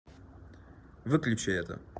выключи это